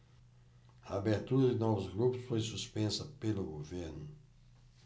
a abertura de novos grupos foi suspensa pelo governo